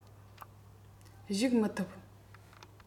ཞུགས མི ཐུབ